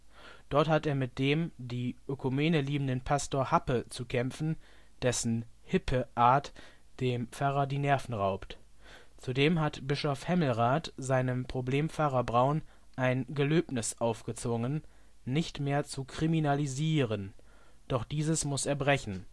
Dort hat er mit dem, die Ökumene liebenden Pastor Happe zu kämpfen, dessen " hippe " Art dem Pfarrer die Nerven raubt. Zudem hat Bischof Hemmelrath seinem Problempfarrer Braun ein Gelöbnis aufgezwungen, nicht mehr zu kriminalisieren, doch dieses muss er brechen